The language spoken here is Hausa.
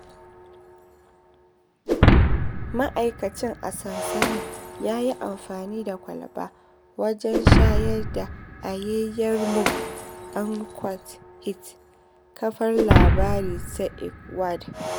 Ma'aikaci a sansanin ya yi amafni da kwalaba wajen shayar da Ayeyar Maung. /Aung Kyaw Htet/ Kafar labarai ta Irrawaddy